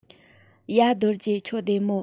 ཡ རྡོ རྗེ ཁྱོད བདེ མོ